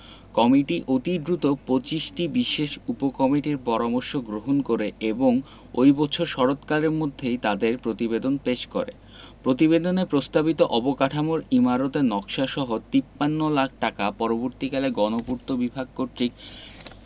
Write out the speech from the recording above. committee অতি দ্রুত ২৫টি বিশেষ উপকমিটির পরামর্শ গ্রহণ করে এবং ওই বছর শরৎকালের মধ্যেই তাদের প্রতিবেদন পেশ করে প্রতিবেদনে প্রস্তাবিত অবকাঠামোর ইমারতের নকশাসহ ৫৩ লাখ টাকা পরবর্তীকালে গণপূর্ত বিভাগ কর্তৃক